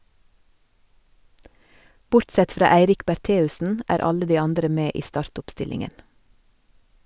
- Bortsett fra Eirik Bertheussen er alle de andre med i startoppstillingen.